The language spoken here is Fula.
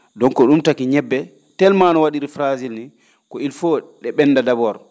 donc ?um taki ñebbe tellement no wa?iri fragile nii ko il faut ?e ?ennda d' abord